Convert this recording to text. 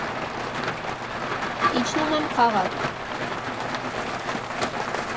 Իջնում եմ քաղաք։